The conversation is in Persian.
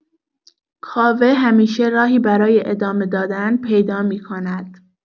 کاوه همیشه راهی برای ادامه دادن پیدا می‌کند.